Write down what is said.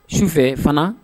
Sufɛ fana